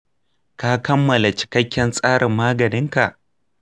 ka kammala cikakken tsarin maganinka?